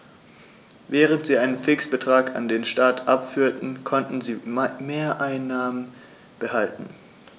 Während sie einen Fixbetrag an den Staat abführten, konnten sie Mehreinnahmen behalten.